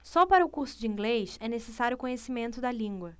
só para o curso de inglês é necessário conhecimento da língua